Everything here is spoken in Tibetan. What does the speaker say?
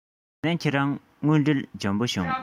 བྱས ན ཁྱེད རང དངོས འབྲེལ འཇོན པོ བྱུང